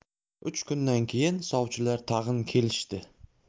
uch kundan keyin sovchilar tag'in kelishdi